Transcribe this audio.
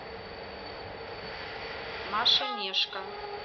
машинешка